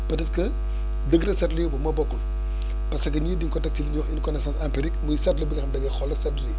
peut être que dëgg la seetlu yi moom moo bokkul parce que ñii dañ ko teg ci li ñuy wax une connaissance empirique muy seetlu bi nga xam dangay xool rek seetlu nii